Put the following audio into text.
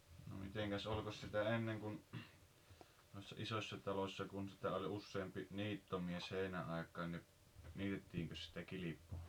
no mitenkäs olikos sitä ennen kun noissa isoissa taloissa kun sitä oli useampi niittomies heinäaikaan niin niitettiinkös sitä kilpaa